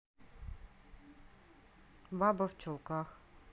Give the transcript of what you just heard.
баба в чулках